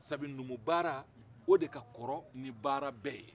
sabu numu baara o de ka kɔrɔ ni baara bɛɛ ye